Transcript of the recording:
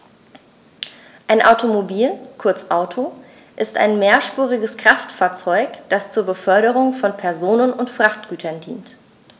Ein Automobil, kurz Auto, ist ein mehrspuriges Kraftfahrzeug, das zur Beförderung von Personen und Frachtgütern dient.